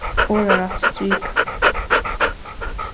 orðarætt strika